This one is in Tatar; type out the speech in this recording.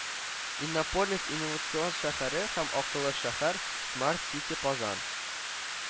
– “иннополис” инновацион шәһәре һәм “акыллы шәһәр” – “смарт сити казан”